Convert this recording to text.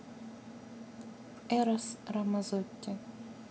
эрос рамаззотти